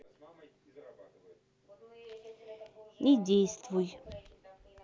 не действуй